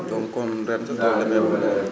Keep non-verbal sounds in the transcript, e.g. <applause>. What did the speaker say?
donc kon rek <crosstalk> sa tool demeewul noonu